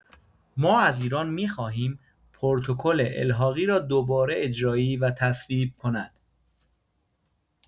ما از ایران می‌خواهیم پروتکل الحاقی را دوباره اجرایی و تصویب کند.